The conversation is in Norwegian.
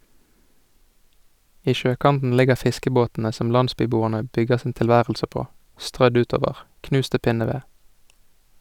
I sjøkanten ligger fiskebåtene som landsbyboerne bygger sin tilværelse på, strødd utover, knust til pinneved.